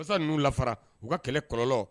Masasa ninnuu lafara u ka kɛlɛ kɔlɔlɔ